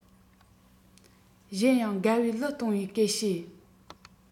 གཞན ཡང དགའ པོའི གླུ གཏོང བའི སྐད ཤེད